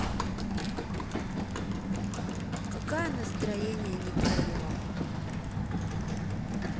какая настроение не твое